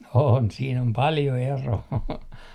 on siinä on paljon eroa